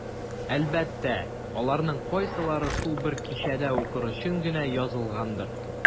Әлбәттә, аларның кайсылары шул бер кичәдә укыр өчен генә язылгандыр.